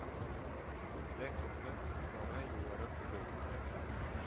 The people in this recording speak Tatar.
Бездә хезмәт хаклары югары түгел